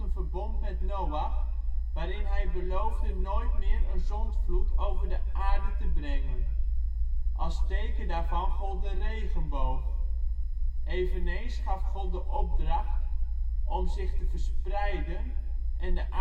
verbond met Noach, waarin hij beloofde nooit meer een zondvloed over de aarde te brengen. Als teken daarvan gold de regenboog. Eveneens gaf God de opdracht om zich te verspreiden en de